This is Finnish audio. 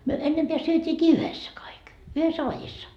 me ennempää syötiinkin yhdessä kaikki yhdessä vadissa